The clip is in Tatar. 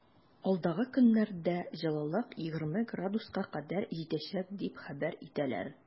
Алдагы көннәрдә җылылык 20 градуска кадәр җитәчәк дип хәбәр итәләр.